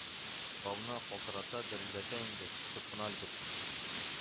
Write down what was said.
Бауны калтырата, дерелдәтә инде — тотып кына өлгер